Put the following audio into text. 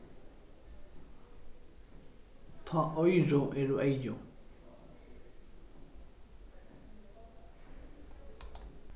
tá oyru eru eygu